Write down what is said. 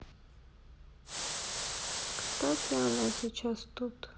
кстати она сейчас тут